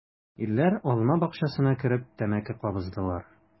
Ирләр алма бакчасына кереп тәмәке кабыздылар.